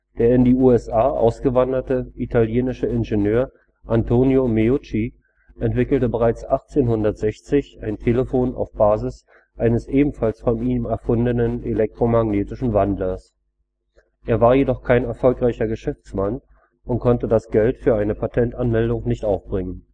Der in die USA ausgewanderte italienische Ingenieur Antonio Meucci entwickelte bereits 1860 ein Telefon auf Basis eines ebenfalls von ihm erfundenen elektromagnetischen Wandlers. Er war jedoch kein erfolgreicher Geschäftsmann und konnte das Geld für eine Patentanmeldung nicht aufbringen